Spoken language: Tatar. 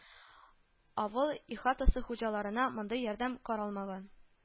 Авыл ихатасы хуҗаларына мондый ярдәм каралмалы